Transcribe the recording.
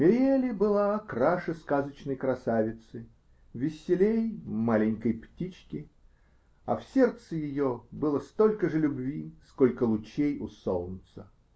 Мэриели была краше сказочной красавицы, веселой маленькой птички, а в сердце ее было столько же любви, сколько лучей у солнца.